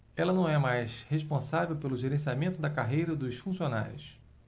ela não é mais responsável pelo gerenciamento da carreira dos funcionários